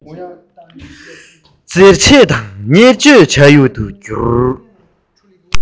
རྩེད ཆས དང བརྙས བཅོས བྱ ཡུལ དུ གྱུར